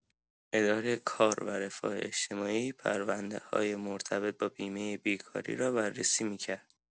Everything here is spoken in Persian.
اداره کار و رفاه اجتماعی پرونده‌‌های مرتبط با بیمه بیکاری را بررسی می‌کرد.